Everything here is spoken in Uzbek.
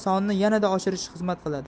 sonining yanada oshishiga xizmat qiladi